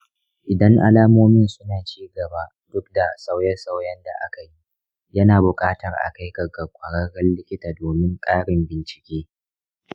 idan alamomin suna ci gaba duk da sauye-sauyen da aka yi, yana bukatar a kai ga ƙwararren likita domin ƙarin bincike.